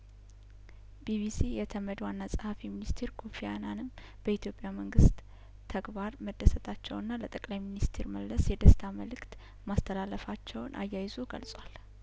ቢቢሲ የተመድ ዋና ጸሀፊ ሚኒስትር ኮፊ አናንም በኢትዮጵያ መንግስት ተግባር መደሰታቸውና ለጠቅላይ ሚኒስትር መለስም የደስታ መልእክት ማስተላለፋቸውን አያይዞ ገልጿል